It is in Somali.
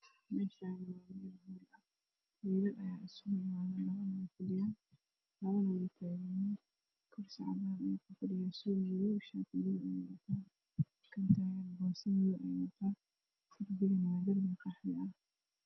Meeshaani waa meel hool wiilal ayaa aigu imaaday labo Aya fadhiyo kursi cagaaran darbiga waa qaxwi